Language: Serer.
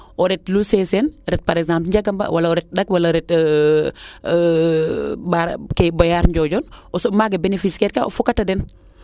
o ret Loul Sesene ret par exemple Ndiagamba wala o ret Ndak wala o ret Mboyare Ndiodione o soɓ maaga beneficiaire ka o foka ta den